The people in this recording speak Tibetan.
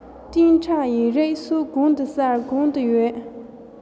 གཏན ཁྲ ཡིག རིགས སོགས གང དུ གསལ གང དུ ཡོད